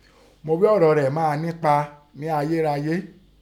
Mo ghi ọ̀rọ̀ rẹ́ máa nẹ́pa nẹ ayérayé